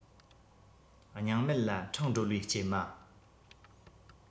སྙིང མེད ལ འཕྲང སྒྲོལ བའི སྐྱེལ མ